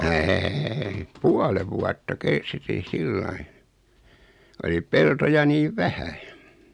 ei puolen vuotta kesti sillä lailla oli peltoja niin vähän